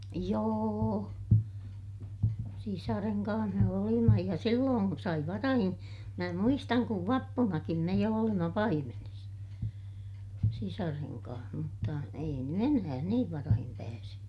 joo sisaren kanssa me olimme ja silloin sai varhain minä muistan kun vappunakin me jo olimme paimenessa sisaren kanssa mutta ei nyt enää niin varhain pääse